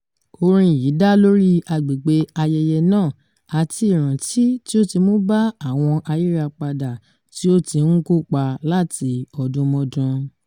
Orin yìí dá lóríi agbègbè ayẹyẹ náà, àti ìrántí tí ó ti mú bá àwọn ayírapadà tí ó ti ń kópa láti ọdúnmọ́dún.